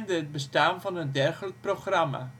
het bestaan van een dergelijk programma